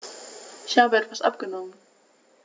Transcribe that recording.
Ich habe etwas abgenommen.